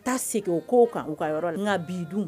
U taa segin u k ko kan u ka yɔrɔ n ka bi dun